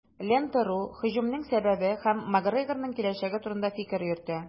"лента.ру" һөҗүмнең сәбәбе һәм макгрегорның киләчәге турында фикер йөртә.